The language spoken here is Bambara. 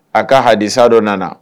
A ka hadisa dɔ nana